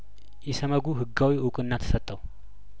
ኢሰመጉ ህጋዊ እውቅና ተሰጠው